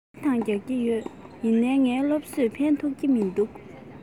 རྒྱག དང རྒྱག གི ཡོད ཡིན ནའི ངའི སློབ གསོས ཕན ཐོགས ཀྱི མི འདུག